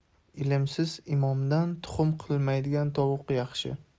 ilmsiz imomdan tuxum qilmaydigan tovuq yaxshi